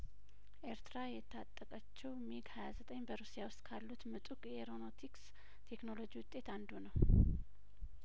ኤርትራ የታጠቀችው ሚግ ሀያዘጠኝ በሩሲያ ውስጥ ካሉት ምጡቅ የኤሮኖቲክስ ቴክኖሎጂ ውጤት አንዱ ነው